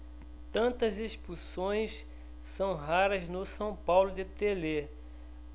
tantas expulsões são raras no são paulo de telê